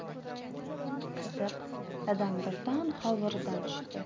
qiziq dadam birdan hovuridan tushdi